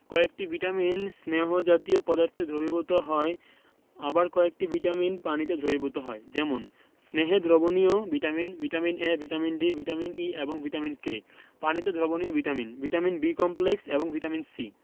কয়েকটি ভিটামিন স্নেহ জাতীয় পদার্থে দ্রবীভূত হয় আবার কয়েকটি ভিটামিন পানিতে দ্রবীভূত হয় যেমন স্নেহে দ্রবণীয় vitamin vitamin A vitamin D vitamin E ও ভিটামিন K পানিতে দ্রবণীয় ভিটামিন ভিটামিন B কমপ্লেক্স এবং ভিটামিন C